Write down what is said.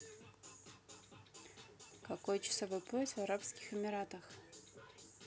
какой часовой пояс в арабских эмиратах